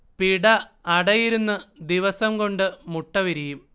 പിട അടയിരുന്ന് ദിവസംകൊണ്ട് മുട്ട വിരിയും